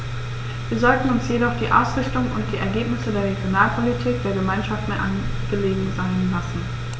Wir sollten uns jedoch die Ausrichtung und die Ergebnisse der Regionalpolitik der Gemeinschaft mehr angelegen sein lassen.